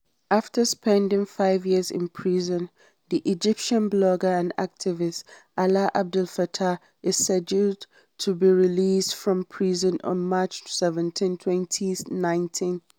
After spending five years in prison, the Egyptian blogger and activist Alaa Abd El Fattah is scheduled to be released from prison on March 17, 2019.